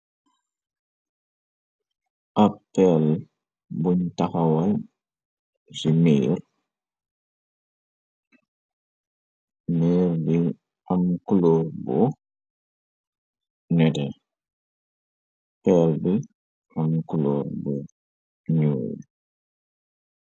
Ab pel buñ taxawal ci miire. Miir bi am kuloor bu nete, pel bi am kuloor bu ñuul.